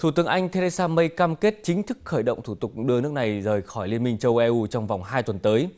thủ tướng anh thê rê xa mây cam kết chính thức khởi động thủ tục đưa nước này rời khỏi liên minh châu e u trong vòng hai tuần tới